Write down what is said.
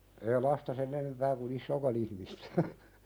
ei lasta sen enempää kun isoakaan ihmistä